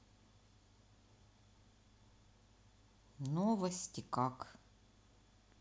новости как